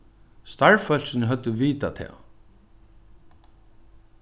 starvsfólkini høvdu vitað tað